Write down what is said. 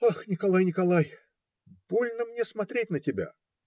- Ах, Николай, Николай, больно мне смотреть на тебя.